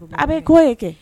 A bɛ kɔ ye kɛ.